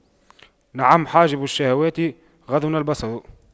نعم حاجب الشهوات غض البصر